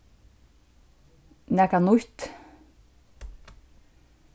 nakað nýtt